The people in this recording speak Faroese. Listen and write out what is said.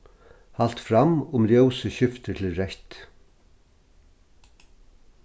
halt fram um ljósið skiftir til reytt